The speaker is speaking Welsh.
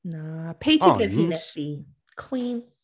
Na... Ond... Paige yw brenhines fi. Cwîn!